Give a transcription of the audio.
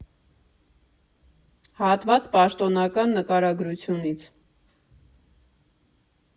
Հատված պաշտոնական նկարագրությունից.